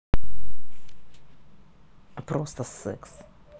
просто секс